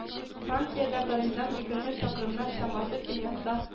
Франциядә, Париждан егерме чакрымнар чамасы көньякта